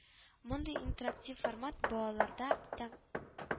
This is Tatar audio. Мондый интерактив формат балаларда тә